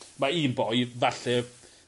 ma' un boi falle